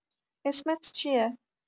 اسمت چیه